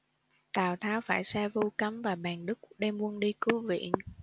tào tháo phải sai vu cấm và bàng đức đem quân đi cứu viện